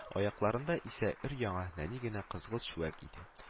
Аякларында исә өр-яңа нәни генә кызгылт чүәк иде